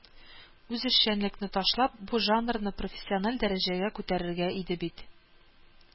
Үзешчәнлекне ташлап, бу жанрны профессиональ дәрәҗәгә күтәрергә иде бит